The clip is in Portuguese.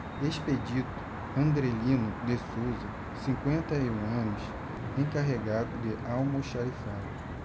expedito andrelino de souza cinquenta e um anos encarregado de almoxarifado